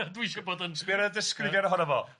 a dwi 'sio bod yn... Sbia ar y disgrifiad ohono fo...